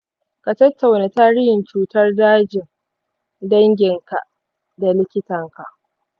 ka tattauna tarihin cutar dajin dangin ka da likitanka.